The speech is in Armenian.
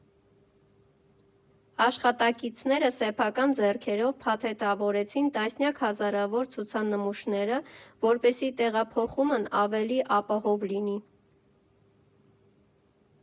Աշխատակիցները սեփական ձեռքերով փաթեթավորեցին տասնյակ հազարավոր ցուցանմուշները, որպեսզի տեղափոխումն ավելի ապահով լինի։